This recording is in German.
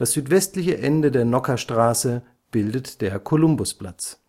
südwestliche Ende der Nockherstraße bildet der Kolumbusplatz